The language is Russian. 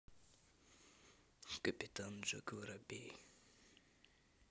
капитан джек воробей